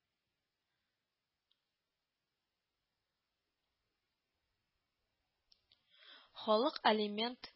Халык алимент